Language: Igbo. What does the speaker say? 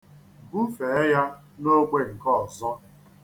Bufee ya n'ogbe nke ọzọ.